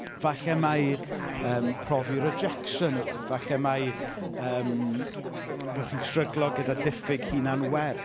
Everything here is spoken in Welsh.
Falle mai, yym, profi rejection yw e, falle mai, yym, bo' chi'n stryglo gyda diffyg hunan-werth.